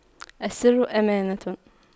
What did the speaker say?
السر أمانة